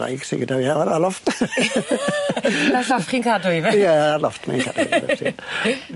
...wraig sy gyda fi a- a'r loff. Lawr lloft chi'n cadw 'i yfe? Ie a'r lofft nai cadw 'i 'ny ti.